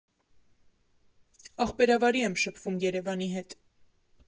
Ախպերավարի եմ շփվում Երևանի հետ։